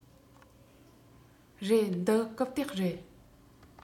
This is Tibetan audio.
རེད འདི རྐུབ སྟེགས རེད